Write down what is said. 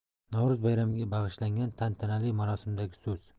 navro'z bayramiga bag'ishlangan tantanali marosimdagi so'z